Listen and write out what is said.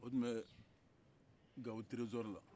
o tun bɛ gawo tresor la